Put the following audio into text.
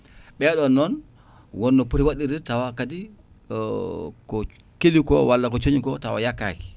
ɓeɗon noon wonno pooti waɗirde tawa kadi ko kelli ko walla ko cooñi ko tawa yakkaki